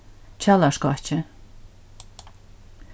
kjalarskákið